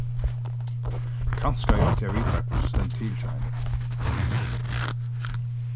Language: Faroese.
kanska eg átti at vitað hvussu stendur til hjá henni